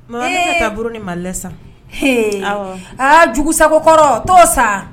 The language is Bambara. Mama eee nbe ka taa buuru ni malilait san awɔ heee aa jugusagokɔrɔɔ t'o san